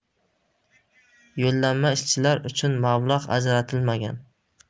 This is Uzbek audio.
yollanma ishchilar uchun mablag' ajratilmagan